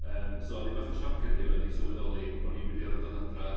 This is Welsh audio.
Yym so oedd hi bach o sioc yn y ddiwedd i sylweddoli bod ni'n mynd i orfod dod adre.